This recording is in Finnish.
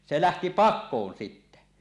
se lähti pakoon sitten